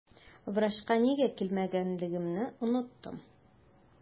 Врачка нигә килгәнлегемне оныттым.